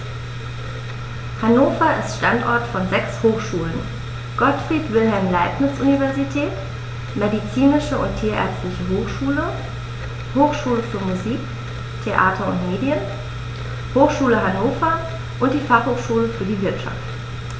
Hannover ist Standort von sechs Hochschulen: Gottfried Wilhelm Leibniz Universität, Medizinische und Tierärztliche Hochschule, Hochschule für Musik, Theater und Medien, Hochschule Hannover und die Fachhochschule für die Wirtschaft.